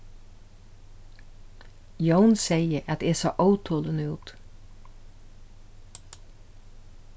jón segði at eg sá ótolin út